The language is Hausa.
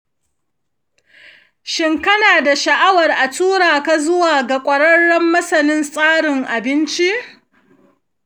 shin kana da sha'awar a tura ka zuwa ga kwararren masanin tsarin abinci?